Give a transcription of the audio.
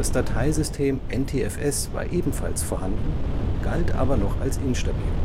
Dateisystem NTFS war ebenfalls vorhanden, galt aber noch als instabil